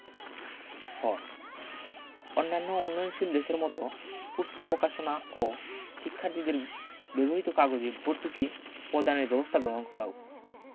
খ অন্যান্য উন্নয়নশীল দেশের মত পুস্তক পকাশনা ও শিক্ষার্থীদের ব্যবহৃত কাগজে ভর্তুকি পদানের ব্যবস্থা গ্রহণ করা হোক